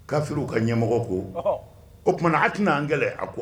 Kafi u ka ɲɛmɔgɔ ko o tumaumana a tɛna n'an gɛlɛn a